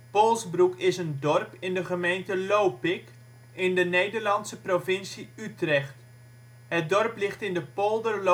Polsbroek is een dorp in de gemeente Lopik, in de Nederlandse provincie Utrecht. Het dorp ligt in de polder